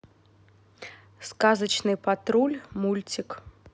сказочный патруль мультик